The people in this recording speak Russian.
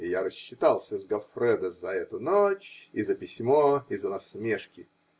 И я рассчитался с Гоффредо за эту ночь, и за письмо, и за насмешки.